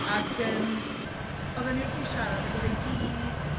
Ac yym, oedden ni wrthi'n siarad ac oedd o i gyd...